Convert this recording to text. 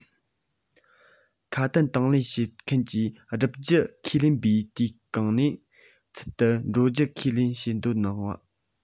ཁ དན དང ལེན བྱེད མཁན གྱིས བསྒྲུབ རྒྱུ ཁས ལེན པའི དུས བཀག ནང ཚུན དུ བསྒྲུབ རྒྱུ ཁས ལེན བྱེད དོན བཏང བ